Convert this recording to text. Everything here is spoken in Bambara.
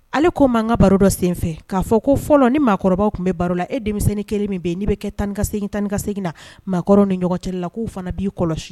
Ale ko n ma n ka baro dɔ senfɛ ka fɔ ko fɔlɔ ni maakɔrɔbaw tun be baro la e demisenni kelen min be ye n'i bɛ kɛ taani ka segin taani ka segin na maakɔrɔw ni ɲɔgɔn cɛla la k'u fana b'i kɔlɔsi